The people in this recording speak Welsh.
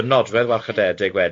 nodwedd warchodedig wedyn